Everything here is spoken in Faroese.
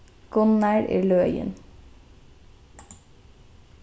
gunnar er løgin